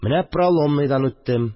Менә Проломныйдан үттем